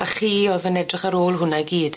A chi o'dd yn edrych ar ôl hwnna i gyd?